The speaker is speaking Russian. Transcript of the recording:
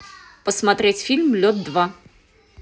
посмотреть фильм лед два